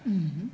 ja.